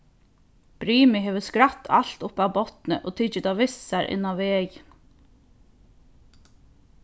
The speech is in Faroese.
brimið hevur skrætt alt upp av botni og tikið tað við sær inn á vegin